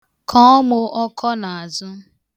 Kọọ mụ akọ n'azụ